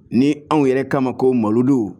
Ni anw yɛrɛ ka a ma ko mawuludu.